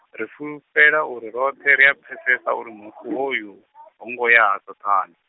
ri fulufhela uri roṱhe ria pfesesa uri mufu hoyu, ho ngoya ha Saṱhane.